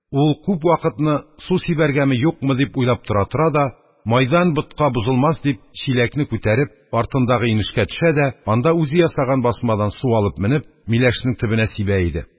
Ул күп вакытны: «Су сибәргәме, юкмы», – дип уйлап тора-тора да, «майдан ботка бозылмас» дип, чиләкне күтәреп, артындагы инешкә төшә дә, анда үзе ясаган басмадан су алып менеп, миләшенең төбенә сибә иде.